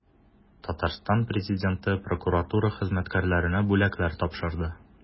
Татарстан Президенты прокуратура хезмәткәрләренә бүләкләр тапшырды.